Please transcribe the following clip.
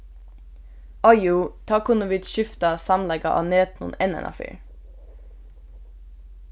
á jú tá kunnu vit skifta samleika á netinum enn einaferð